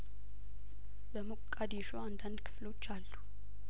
በሞቃዲሾ አንዳንድ ክፍሎች አሉ